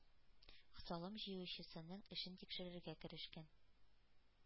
Салым җыючысының эшен тикшерергә керешкән.